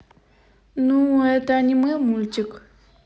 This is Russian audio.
ну это аниме мультик